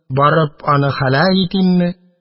Барып аны һәлак итимме?